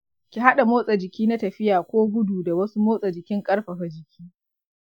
ki haɗa motsa jiki na tafiya ko gudu da wasu motsa jikin ƙarfafa jiki.